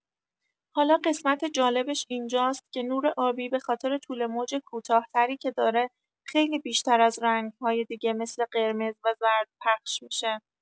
حالا قسمت جالبش اینجاست که نور آبی به‌خاطر طول‌موج کوتاه‌تری که داره، خیلی بیشتر از رنگ‌های دیگه مثل قرمز و زرد پخش می‌شه.